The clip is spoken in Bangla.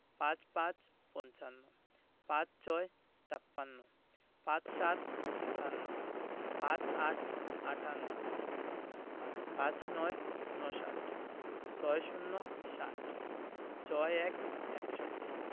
৫৫ – পঞ্চান্ন ৫৬ – ছাপ্পান্ন ৫৭ – সাতান্ন ৫৮ – আটান্ন ৫৯ - ঊনষাট ৬০ - ষাট ৬১ – একষট্টি